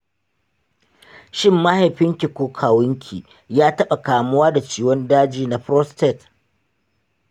shin mahaifinki ko kawunki ya taɓa kamuwa da ciwon daji na prostate?